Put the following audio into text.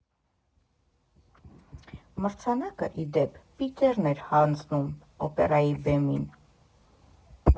Մրցանակը, ի դեպ, Պիտերն էր հանձնում Օպերայի բեմին։